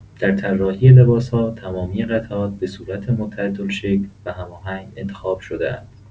در طراحی لباس‌ها، تمامی قطعات به صورت متحدالشکل و هماهنگ انتخاب شده‌اند.